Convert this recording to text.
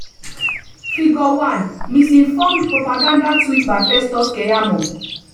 Figure 1: Misinformed propaganda tweet by Festus Keyamo